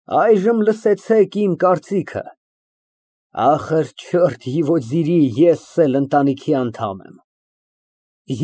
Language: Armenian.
Այժմ լսեցեք իմ կարծիքը, ես էլ ընտանիքի անդամ եմ։